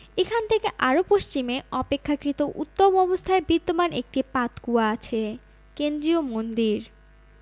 এখান থেকে আরও পশ্চিমে অপেক্ষাকৃত উত্তম অবস্থায় বিদ্যমান একটি পাতকুয়া আছে কেন্দ্রীয় মন্দির